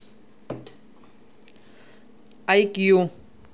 ай кью